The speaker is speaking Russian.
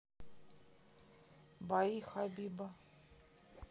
бои хабиба